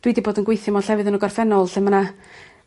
Dwi 'di bod yn gweithio mewn llefydd yn y gorffennol lle ma' 'na